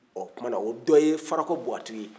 ɔ o tuma na o dɔ ye farakɔ buwatu ye